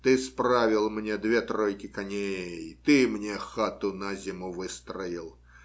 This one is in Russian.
Ты справил мне две тройки коней, ты мне хату на зиму выстроил.